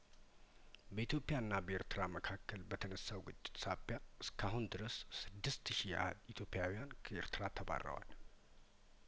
በኢትዮፕያና በኤርትራ መካከል በተነሳው ግጭት ሳቢያ እስካሁን ድረስ ስድስት ሺህ ያህል ኢትዮጵያውያን ከኤርትራ ተባረዋል